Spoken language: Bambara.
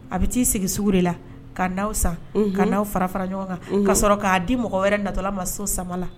A bɛ t' sigi sugu de la ka n'aw san ka n'aw fara fara ɲɔgɔn kan ka sɔrɔ k'a di mɔgɔ wɛrɛ natɔla ma so sama la